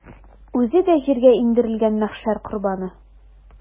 Үзе дә җиргә иңдерелгән мәхшәр корбаны.